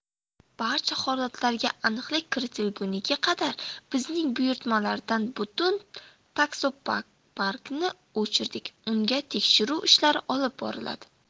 barcha holatlarga aniqlik kiritilguniga qadar bizning buyurtmalardan butun taksoparkni o'chirdik unda tekshiruv ishlari olib boriladi